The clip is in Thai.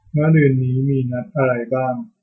มะรืนนี้มีนัดอะไรบ้าง